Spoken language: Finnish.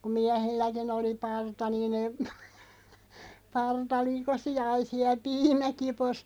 kun miehilläkin oli parta niin - parta likosi ja oli siellä piimäkipossa